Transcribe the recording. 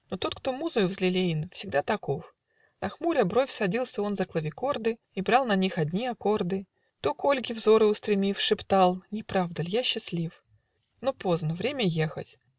Но тот, кто музою взлелеян, Всегда таков: нахмуря бровь, Садился он за клавикорды И брал на них одни аккорды, То, к Ольге взоры устремив, Шептал: не правда ль? я счастлив. Но поздно; время ехать.